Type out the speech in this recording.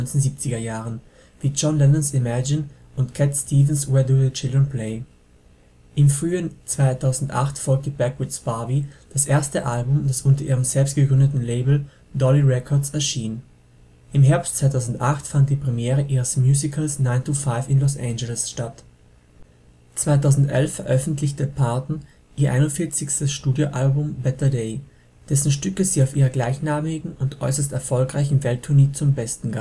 1970er-Jahren, wie John Lennons Imagine und Cat Stevens ' Where Do the Children Play?. Im Frühjahr 2008 folgte Backwoods Barbie, das erste Album, das unter ihrem selbst gegründeten Label " Dolly Records " erschien. Im Herbst 2008 fand die Premiere ihres Musicals 9 to 5 in Los Angeles statt. 2011 veröffentlichte Parton ihr 41. Studioalbum Better Day, dessen Stücke sie auf ihrer gleichnamigen und äußerst erfolgreichen Welttournee zum Besten